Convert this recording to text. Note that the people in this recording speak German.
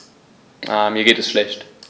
Mir geht es schlecht.